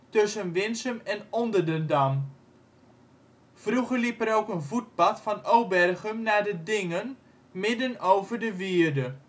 tussen Winsum en Onderdendam. Vroeger liep er ook een voetpad van Obergum naar De Dingen midden over de wierde